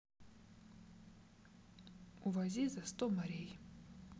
увози за сто морей